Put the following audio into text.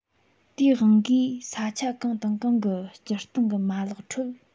དེའི དབང གིས ས ཆ གང དང གང གི སྤྱིར བཏང གི མ ལག ཁྲོད